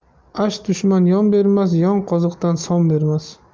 ash dushman yon bermas yon qoziqdan son bermas